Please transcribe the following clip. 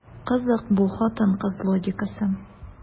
Кызык бу хатын-кыз логикасы.